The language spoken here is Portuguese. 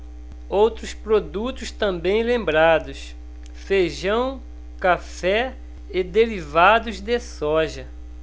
outros produtos também lembrados feijão café e derivados de soja